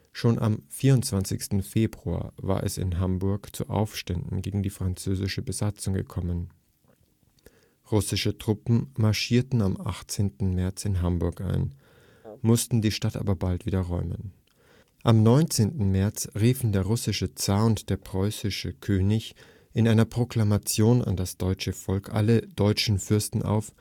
Schon am 24. Februar war es in Hamburg zu Aufständen gegen die französische Besetzung gekommen, russische Truppen marschierten am 18. März in Hamburg ein, mussten die Stadt aber bald wieder räumen. Am 19. März riefen der russische Zar und der preußische König in einer Proklamation an das deutsche Volk alle deutschen Fürsten auf